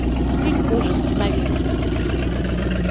фильм ужасов новинки